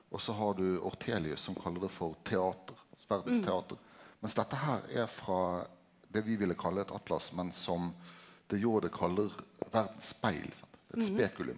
og så har du Ortelius som kallar det for teater, verdens teater mens dette her er frå det vi ville kalle eit atlas men som de Jode kallar verdas spegel sant eit spekulum.